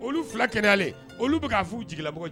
Olu fila kɛnɛyalen olu bɛ ka f'u jigilamɔgɔ